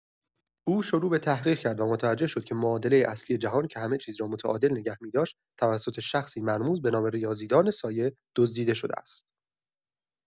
او شروع به تحقیق کرد و متوجه شد که معادلۀ اصلی جهان که همه‌چیز را متعادل نگه می‌داشت، توسط شخصی مرموز به‌نام «ریاضی‌دان سایه» دزدیده شده است.